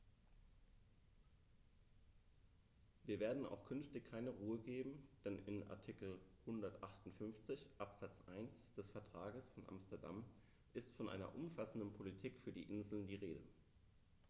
Wir werden auch künftig keine Ruhe geben, denn in Artikel 158 Absatz 1 des Vertrages von Amsterdam ist von einer umfassenden Politik für die Inseln die Rede.